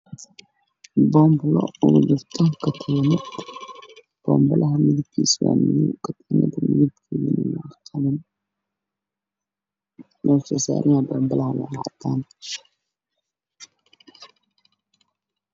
Boombalo oo ugu jirto katiinad boombalaha midabkiisa waa madow katiinada midabkeedana waa dahabi goobta saaran yahay boombalo waa cadaan.